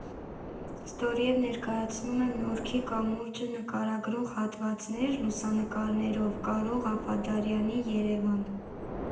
Ստորև ներկայացնում եմ Նորքի կամուրջը նկարագրող հատվածներ (լուսանկարներով) Կարո Ղաֆադարյանի «Երևան։